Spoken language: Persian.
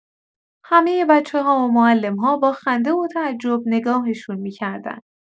همۀ بچه‌ها و معلم‌ها با خنده و تعجب نگاهشون می‌کردن.